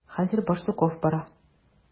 Хәзер Барсуков бара.